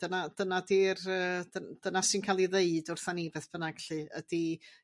Dyna dyna 'di'r yy dyn- dyna sy'n cael 'i ddeud wrthan ni beth bynnag 'lly ydi